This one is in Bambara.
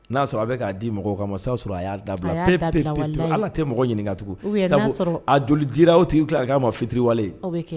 N'a y'a sɔrɔ a bɛ k'a di mɔgɔw de kama sisan b'a sɔrɔ a y'a dabila pe pe pe. Ay'a dabila walayi. Hal'a tɛ mɔgɔ ɲininkaka tugun. ou bien n'a y'a sɔrɔ Sabu a joli dira o tigiw tilala ka k'a ma fitiriwale ye? O bɛ kɛ.